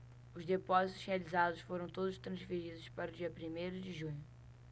os depósitos realizados foram todos transferidos para o dia primeiro de junho